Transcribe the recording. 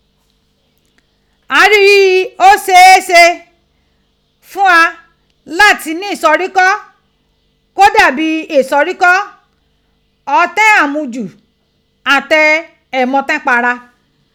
A rí i ghi ó ṣeé ṣe fún gha láti ní ìsoríkọ́ kó dà bí ìsoríkọ́, ọtín àmujù àti ìmutínpara.